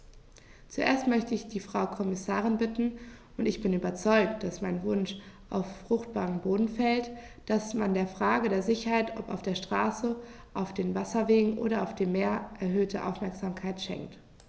Zuerst möchte ich die Frau Kommissarin bitten - und ich bin überzeugt, dass mein Wunsch auf fruchtbaren Boden fällt -, dass man der Frage der Sicherheit, ob auf der Straße, auf den Wasserwegen oder auf dem Meer, erhöhte Aufmerksamkeit schenkt.